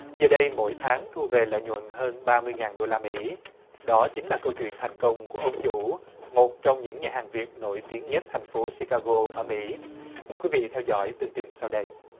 giờ đây mỗi tháng thu về lợi nhuận hơn ba mươi ngàn đô la mỹ đó chính là câu chuyện thành công của ông chủ một trong những nhà hàng việt nổi tiếng nhất thành phố chi ca gô ở mỹ mời quý vị theo dõi tường trình sau đây